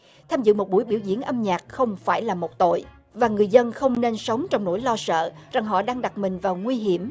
tham dự một buổi biểu diễn âm nhạc không phải là một tội và người dân không nên sống trong nỗi lo sợ rằng họ đang đặt mình vào nguy hiểm